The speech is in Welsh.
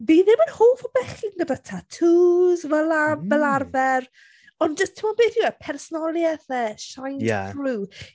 Fi ddim yn hoff o bechgyn gyda tatŵs fel ar- fel arfer... hmm ...ond jyst ti'n gwybod beth yw e? Personoliaeth e shines... yeah ...through.